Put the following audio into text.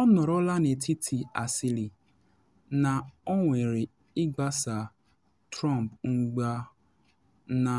Ọ nọrọla n’etiti asịlị na ọ nwere ịgbasa Trump mgba na